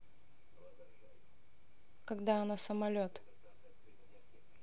когда она самолет